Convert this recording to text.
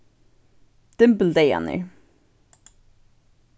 dymbildagarnir